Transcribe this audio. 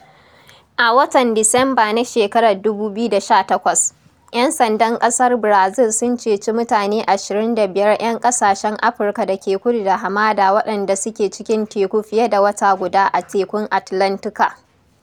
A watan Disamba na shekarar 2018, 'yan sandan ƙasar Brazil sun ceci mutane 25 'yan ƙasashen Afirka da ke kudu da hamada waɗanda "su ke cikin teku fiye da wata guda" a Tekun Atlantika.